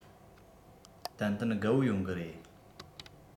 ཏན ཏན དགའ པོ ཡོང གི རེད